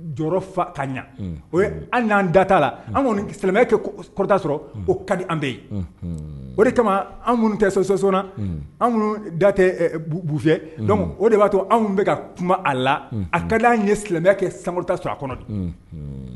Jɔ fa ta ɲɛ o ye an'an data la an silamɛ kɛta sɔrɔ o kadi an bɛ ye o de kama an minnu tɛ sɔ sɔsɔ datɛ bufɛ o de b'a to anw bɛ ka kuma a la a ka di an ye silamɛ kɛ sa sɔrɔ a kɔnɔ